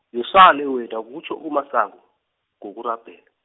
yosale wena kutjho uMasango, ngokurabhela.